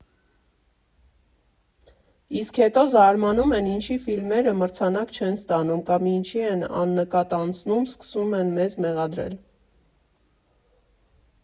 Իսկ հետո զարմանում են՝ ինչի ֆիլմերը մրցանակ չեն ստանում, կամ ինչի են աննկատ անցնում, սկսում են մեզ մեղադրել։